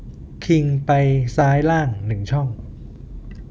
คิงไปซ้ายล่างหนึ่งช่อง